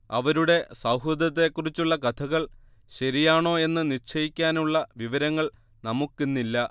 അവരുടെ സൗഹൃദത്തെക്കുറിച്ചുള്ള കഥകൾ ശരിയാണോ എന്ന് നിശ്ചയിക്കാനുള്ള വിവരങ്ങൾ നമുക്കിന്നില്ല